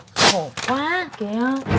khổ quá kìa